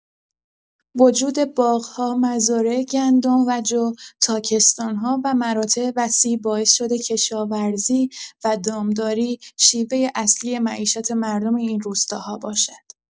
وجود باغ‌ها، مزارع گندم و جو، تاکستان‌ها و مراتع وسیع باعث شده کشاورزی و دامداری شیوه اصلی معیشت مردم این روستاها باشد.